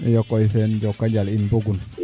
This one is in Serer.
iyo koy Sene Njokonjal in mbogun